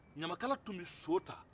ɲamakala tun bɛ so ta